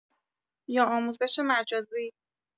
یا آموزش مجازی؟